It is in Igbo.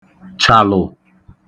chàlụ̀